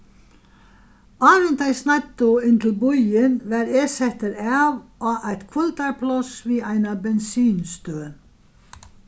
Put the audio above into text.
áðrenn tey sneiddu inn til býin varð eg settur av á eitt hvíldarpláss við eina bensinstøð